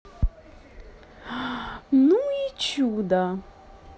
ну и чудо